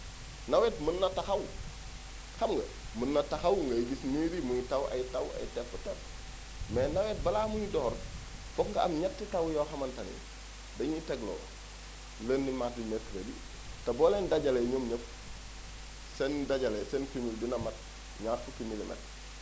nawet mën na taxaw xam nga mën na taxaw nga gis niir yi muy taw ay taw taw ay tepp mais nawet balaa muy door foog nga am ñetti taw yoo xamante ni dañuy tegloo lundi mardi mercredi te boo leen dajalee ñoom ñëpp seen dajale seen cumul dina mat ñaar fukki milimètres